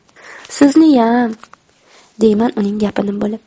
sizniyam deyman uning gapini bo'lib